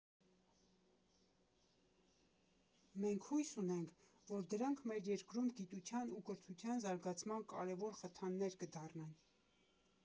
Մենք հույս ունենք, որ դրանք մեր երկրում գիտության ու կրթության զարգացման կարևոր խթաններ կդառնան։